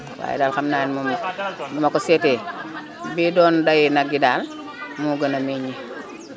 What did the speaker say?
waaye daal xam naa ne moom bi ma ko seetee biy doon dayu nag yi daal moo gën a meññ